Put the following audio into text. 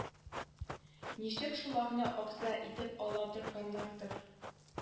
Ничек шуларны агъза итеп ала торганнардыр